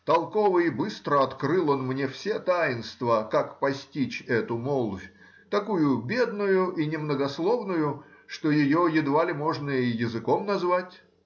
Толково и быстро открыл он мне все таинства, как постичь эту молвь, такую бедную и немногословную, что ее едва ли можно и языком назвать.